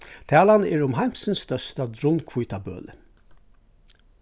talan er um heimsins størsta drunnhvítabøli